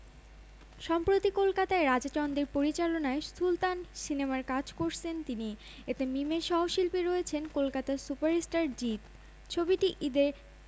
সম্প্রতি কলকাতায় রাজা চন্দের পরিচালনায় সুলতান সিনেমার কাজ করেছেন তিনি এতে মিমের সহশিল্পী রয়েছেন কলকাতার সুপারস্টার জিৎ ছবিটি ঈদে